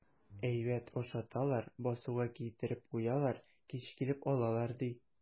Әйбәт ашаталар, басуга китереп куялар, кич килеп алалар, ди.